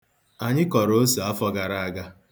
Anyị kọrọ ose afọ gara aga.